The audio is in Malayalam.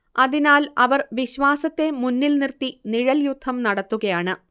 അതിനാൽ അവർ വിശ്വാസത്തെ മുന്നിൽ നിർത്തി നിഴൽയുദ്ധം നടത്തുകയാണ്